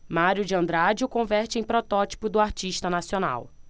mário de andrade o converte em protótipo do artista nacional